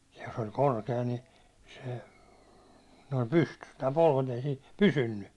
jos oli korkea niin se noin pystyssä tämä polvet ei siinä pysynyt